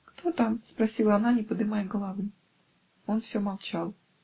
"Кто там?" -- спросила она, не подымая головы. Он все молчал.